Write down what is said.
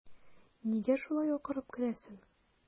Нигә шулай акырып керәсең?